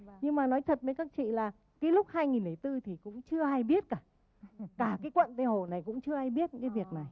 nhưng mà nói thật mới các chị là cái lúc hai nghìn lẻ tư thì cũng chưa ai biết cả cả cái quận tây hồ này cũng chưa ai biết những cái việc này